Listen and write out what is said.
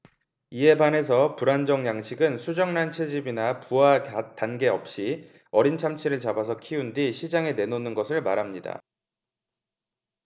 이에 반해서 불안정 양식은 수정란 채집이나 부화 단계 없이 어린 참치를 잡아서 키운 뒤 시장에 내놓는 것을 말합니다